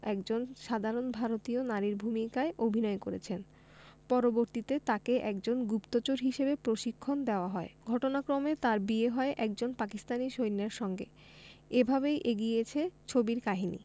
একজন সাধারন ভারতীয় নারীর ভূমিকায় অভিনয় করেছেন পরবর্তীতে তাকে একজন গুপ্তচর হিসেবে প্রশিক্ষণ দেওয়া হয় ঘটনাক্রমে তার বিয়ে হয় একজন পাকিস্তানী সৈন্যের সঙ্গে এভাবেই এগিয়েছে ছবির কাহিনী